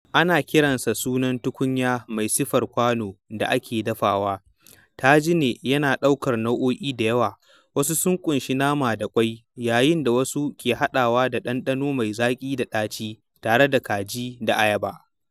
Ana kiransa sunan tukunya mai siffar kwano da ake dafawa, tajine yana ɗaukar nau'o'i da yawa; wasu sun ƙunshi nama da ƙwai, yayin da wasu ke haɗawa da ɗanɗano mai zaƙi da ɗaci tare da kaji da ayaba.